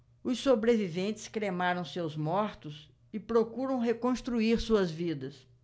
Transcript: os sobreviventes cremaram seus mortos e procuram reconstruir suas vidas